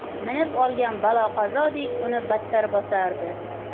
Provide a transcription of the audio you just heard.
minib olgan balo qazodek uni battar bosardi